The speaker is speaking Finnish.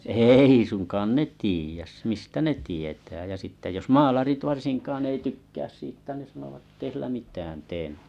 ei suinkaan ne tiedä mistä ne tietää ja sitten jos maalarit varsinkaan ei tykkää siitä ne sanovat että ei sillä mitään tee